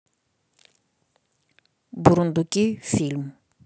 бурундуки фильм